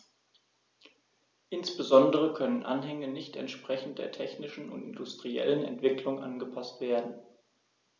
Insbesondere können Anhänge nicht entsprechend der technischen und industriellen Entwicklung angepaßt werden.